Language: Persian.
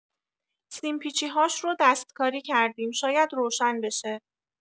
سیم پیچی‌هاش رو دست‌کاری کردیم شاید روشن بشه.